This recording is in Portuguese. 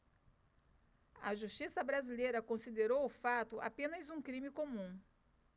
a justiça brasileira considerou o fato apenas um crime comum